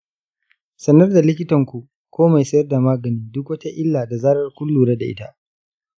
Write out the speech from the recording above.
sanar da likitan ku ko mai sayar da magani duk wata illa da zarar kun lura da ita.